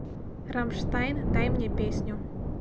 rammstein дай мне песню